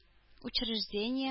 Учреждение